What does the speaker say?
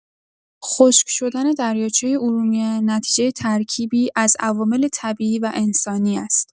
خشک‌شدن دریاچه ارومیه نتیجه ترکیبی از عوامل طبیعی و انسانی است.